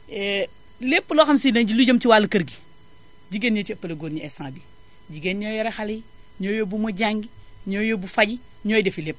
lépp loo xam si ne lu jëm si wàllu kër gi jigéen ñee si ëppale góor ñi instant bii jigéen ñee yore xale yi ñooy yóbbu mu jàngi ñooy yóbbu faji ñooy defi lépp